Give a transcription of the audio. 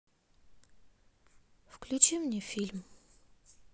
включи мне фильм